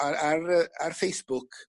ar ar y ar Facebook